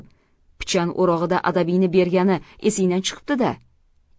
pichan o'rog'ida adabingni bergani esingdan chiqibdi da